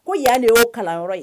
Ko yali y'o kalanyɔrɔ ye